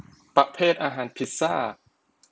ประเภทอาหารพิซซ่า